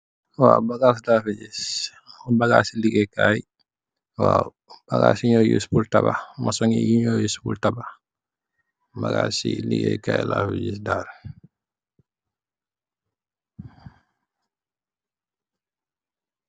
Waaw, bagas lafi giss, bagasi ligaye. Kaye waaw, bagas yu nyo used porr tabah masong yi, yu nyo used porr tabah. Bagasi ligaye kaye lafi giss, daal.